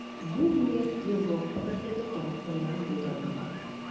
Бу бүләк Европа берлеге тарафыннан булдырылган.